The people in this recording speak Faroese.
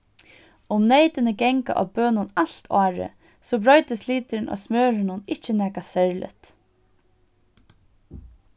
um neytini ganga á bønum alt árið so broytist liturin á smørinum ikki nakað serligt